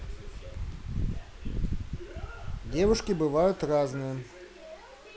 девушки бывают разные